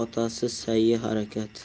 otasi sa'yi harakat